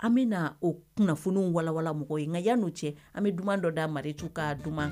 An bɛ na o kunnafoniw walanwalan mɔgɔw ye nka yanni o cɛ, an bɛ duman dɔ da Mariyetu ka duman